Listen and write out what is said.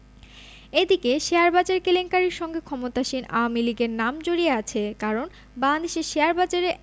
এদিকে শেয়ারবাজার কেলেঙ্কারির সঙ্গে ক্ষমতাসীন আওয়ামী লীগের নাম জড়িয়ে আছে কারণ বাংলাদেশের শেয়ারবাজারে